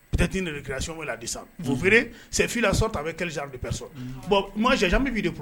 Tɛt de kɛra somo la disa ft sɛfila so ta a bɛ kidu bɛ so bɔn janmu b'i de